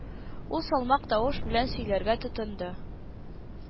Ул салмак тавыш белән сөйләргә тотынды: